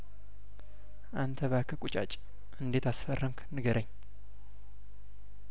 አንተ እባክህ ቁጫጭ እንዴት አስፈረምክ ንገረኝ